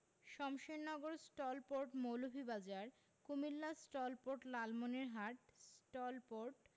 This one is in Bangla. Shamshernagar STOL port Moulvibazar Comilla STOL port Lalmonirhat STOL port